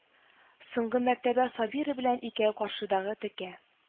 Соңгы мәртәбә Сабира белән икәү каршыдагы текә